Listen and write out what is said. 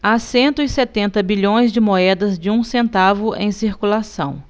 há cento e setenta bilhões de moedas de um centavo em circulação